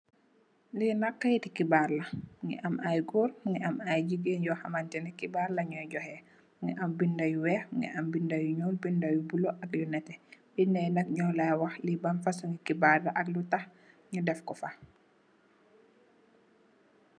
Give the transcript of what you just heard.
Li nak kaiti kibar la. Mungi amm ai gor mungi amm ai gigain yi nga hamneh aii kibar lanjor joheh. Mungi amm binda you weh ak binda you nul, binda you blue ak binda you neteh. Binda yi nk nyorla wah li ban fashion kibar la ak lutah nyu defko faa.